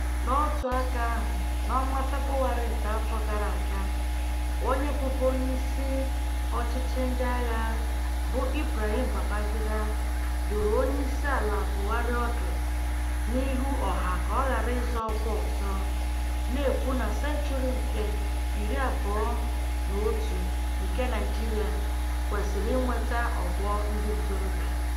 N'otu aka ahụ, n'ọnwa Febụwarị nke afọ gara aga, onye bụbu onyeisi ọchịchị ndị agha bụ Ibrahim Babangida dụrụ Onyeisiala Buhari ọdụ n'ihu ọha ka ọ ghara ịzọ ọkwa ọzọ, na-ekwu na senchuri nke 21 nke Naịjirịa kwesịrị inweta ọgbọ ndị ntorobịa.